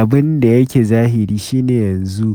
Abin da yake zahiri shi ne yanzu